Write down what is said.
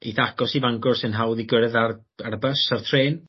eitha agos i Fangor sy'n hawdd i gyrredd lawr ar y bys a'r trên.